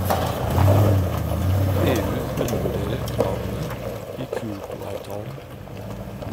- EU undervurderer kravene i Kyoto-avtalen.